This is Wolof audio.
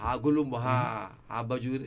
ah Gouloumbou ah